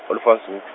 Olifantshoek.